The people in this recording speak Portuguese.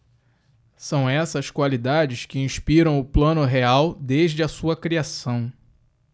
são essas qualidades que inspiraram o plano real desde a sua criação